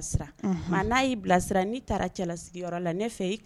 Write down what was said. Bilasira, unhun, nka n'a y'i b ilasir n'i taara cɛlasigi yɔrɔ ne fɛ i